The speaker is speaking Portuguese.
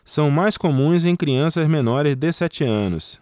são mais comuns em crianças menores de sete anos